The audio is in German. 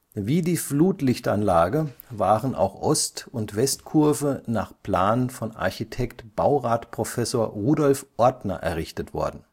Wie die Flutlichtanlage waren auch Ost - und Westkurve nach Plan von Architekt Baurat Prof. Rudolf Ortner errichtet worden